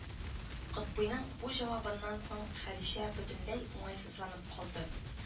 Котбыйның бу җавабыннан соң Хәдичә бөтенләй уңайсызланып калды